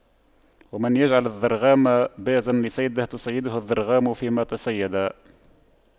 ومن يجعل الضرغام بازا لصيده تَصَيَّدَهُ الضرغام فيما تصيدا